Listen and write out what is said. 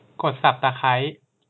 กดสับตะไคร้